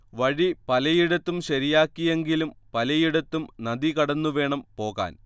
വഴി പലയിടത്തും ശരിയാക്കിയെങ്കിലും പലയിടത്തും നദി കടന്നുവേണം പോകാൻ